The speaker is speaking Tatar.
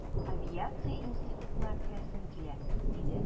Авиация институтына керәсем килә, диде...